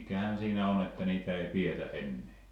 mikähän siinä on että niitä ei pidetä enää